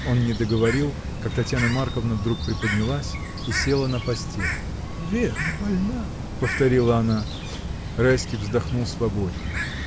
Он не договорил, как Татьяна Марковна вдруг приподнялась и села на постели. — Вера больна? — повторила она. Райский вздохнул свободнее.